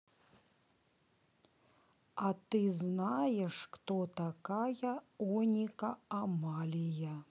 а ты знаешь кто такая оника амалия